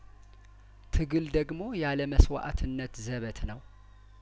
ትግል ደግሞ ያለመስዋእትነት ዘበት ነው